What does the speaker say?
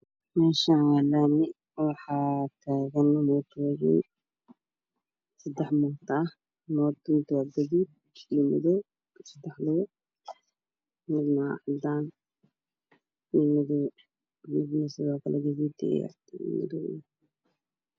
Meeshaan waa laami Waxaa taagan mootooyin seddex mooto ah mootooyinka waa gaduud iyo madow seddex lugo ah midna cadaan mid madow